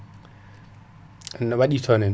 na wiɗi ton henna